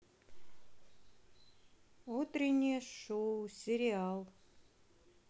утреннее шоу сериал